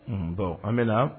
Bɔn an bɛ